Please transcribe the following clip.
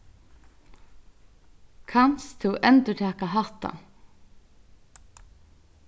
kanst tú endurtaka hatta